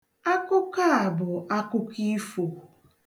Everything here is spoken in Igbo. Akụkọ a bụ akụkọ ifo.